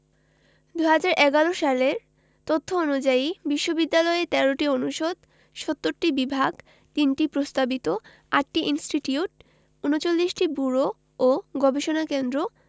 ২০১১ সালের তথ্য অনুযায়ী বিশ্ববিদ্যালয়ে ১৩টি অনুষদ ৭০টি বিভাগ ৩টি প্রস্তাবিত ৮টি ইনস্টিটিউট ৩৯টি ব্যুরো ও গবেষণা কেন্দ্র